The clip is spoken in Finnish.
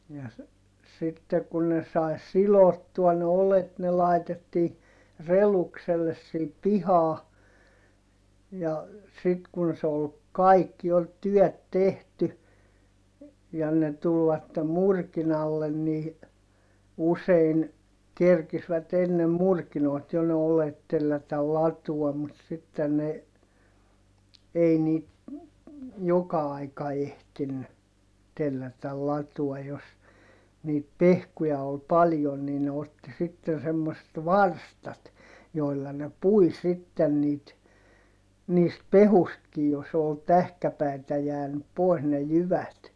ja - sitten kun ne sai sidottua ne oljet ne laitettiin redukselle siihen pihaan ja sitten kun se oli kaikki oli työt tehty ja ne tulivat murkinalle niin usein kerkisivät ennen murkinoita jo ne oljet tellätä latoon mutta sitten ne ei niitä joka aika ehtinyt tellätä latoon jos niitä pehkuja oli paljon niin ne otti sitten semmoiset varstat joilla ne pui sitten niitä niistä pehkuistakin jos oli tähkäpäitä jäänyt pois ne jyvät